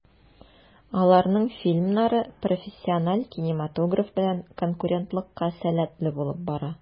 Аларның фильмнары профессиональ кинематограф белән конкурентлыкка сәләтле булып бара.